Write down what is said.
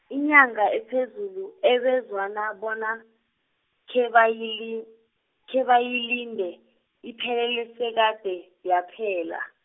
inyanga ephezulu ebezwana bona, khebayili- khebayilinde, iphele sekade yaphela.